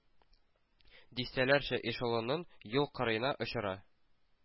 Дистәләрчә эшелонын юл кырыена “очыра”.